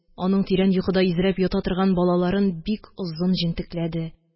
Аның тирән йокыда изрәп ята торган балаларын бик озын җентекләде.